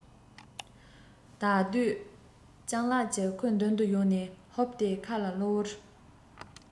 དེ དུས སྤྱང ལགས ཀྱིས ཁོའི མདུན དུ ཡོང ནས ཧོབ སྟེ ཁ ལ གློ བུར